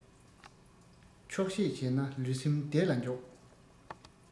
ཆོག ཤེས བྱས ན ལུས སེམས བདེ ལ འཇོག